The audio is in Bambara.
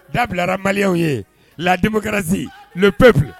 Dabilara maliya ye ladenmu kɛraz'o pefi